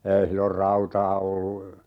ei silloin rautaa ollut